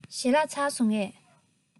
ཞལ ལག ཁ ལག མཆོད བཞེས ཚར སོང ངས